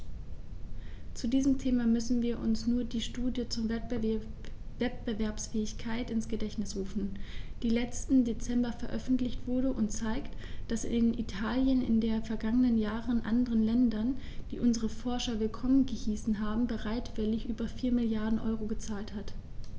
Zu diesem Thema müssen wir uns nur die Studie zur Wettbewerbsfähigkeit ins Gedächtnis rufen, die letzten Dezember veröffentlicht wurde und zeigt, dass Italien in den vergangenen Jahren anderen Ländern, die unsere Forscher willkommen geheißen haben, bereitwillig über 4 Mrd. EUR gezahlt hat.